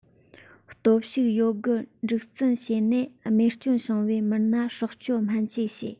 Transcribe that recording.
སྟོབས ཤུགས ཡོད དགུ སྒྲིག འཛུགས བྱས ནས རྨས སྐྱོན བྱུང བའི མི སྣ སྲོག སྐྱོབ སྨན བཅོས བྱེད